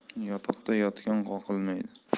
yotoqda yotgan qoqilmaydi